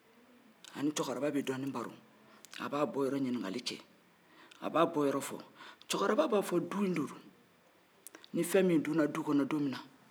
a b'a bɔ yɔrɔ ɲininkali kɛ a b'a bɔ yɔrɔ fɔ cɛkɔrɔba b'a fɔ dundo ni fɛnmin dunna dukɔnɔ don minna i ta don